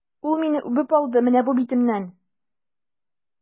Ул мине үбеп алды, менә бу битемнән!